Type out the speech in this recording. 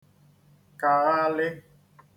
kàghalị̄